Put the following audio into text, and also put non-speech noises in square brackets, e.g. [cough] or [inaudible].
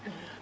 [hesitation] [hesitation]